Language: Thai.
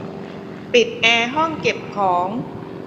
ปิดแอร์ห้องเก็บของ